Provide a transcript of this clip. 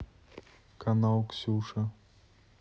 канал ксюша